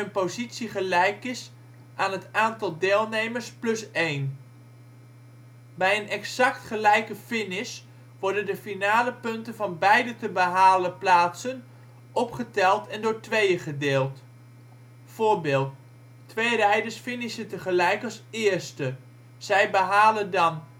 positie gelijk is aan het aantal deelnemers plus één. Bij een exact gelijke finish worden de finalepunten van beide te behalen plaatsen opgeteld en door twee gedeeld. Voorbeeld: Twee rijders finishen tegelijk als eerste. Zij behalen dan